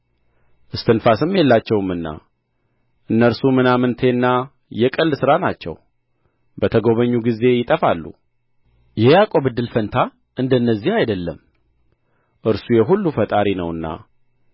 እስትንፋስም የላቸውምና እነርሱ ምናምንቴና የቀልድ ሥራ ናቸው በተጐበኙ ጊዜ ይጠፋሉ የያዕቆብ እድል ፈንታ እንደ እነዚህ አይደለም እርሱ የሁሉ ፈጣሪ ነውና